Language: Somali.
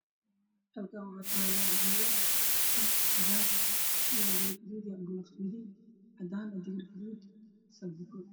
Halkaan waxa taalo cambuulo ah cagaar iyo cambuulo guduud iyo cmbuul qamadi cadaan ah iyo digir guduud iyo salbuko